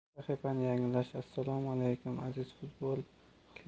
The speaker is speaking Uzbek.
sahifani yangilash assalomu